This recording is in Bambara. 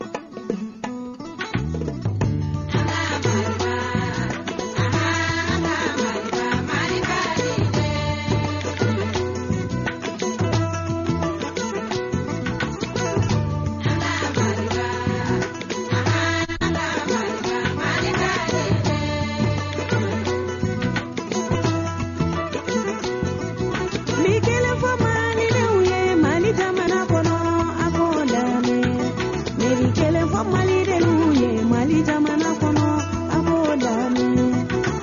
Kari ye ma jakɔrɔ kelen le ye ma jakɔrɔ